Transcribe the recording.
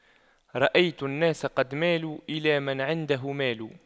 رأيت الناس قد مالوا إلى من عنده مال